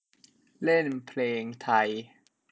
เล่นเพลงไทย